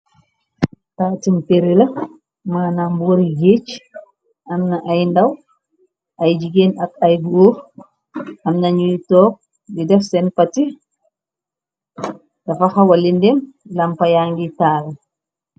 Taatimperila maanam boori geeg amna ay ndaw ay jigéen ak ay goor amnañuy toog di def seen pati dafa xawa lindeen lampa yangi taal.